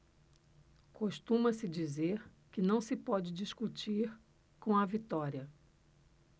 costuma-se dizer que não se pode discutir com a vitória